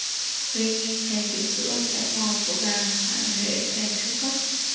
tuy nhiên càng chỉnh sửa vẻ ngoài của bà hạ huệ càng xuống cấp